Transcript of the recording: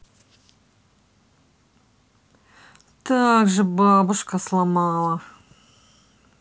также бабушка сломала